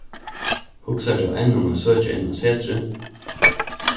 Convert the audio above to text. hugsar tú enn um at søkja inn á setrið